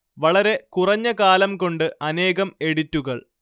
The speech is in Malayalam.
വളരെ കുറഞ്ഞ കാലം കൊണ്ട് അനേകം എഡിറ്റുകൾ